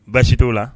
Baasi t'o la